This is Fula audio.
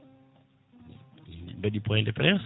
min mbaɗi point de presse